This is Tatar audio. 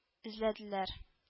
Эзләделәр